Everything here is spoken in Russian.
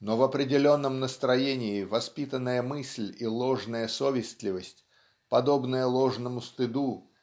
но в определенном настроении воспитанная мысль и ложная совестливость подобная ложному стыду